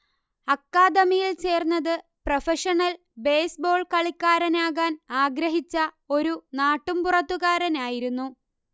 അക്കാദമിയിൽ ചേർന്നത് professional baseball കളിക്കാരനാകാൻ ആഗ്രഹിച്ച ഒരു നാട്ടുമ്പുറത്തുകാരനായിരുന്നു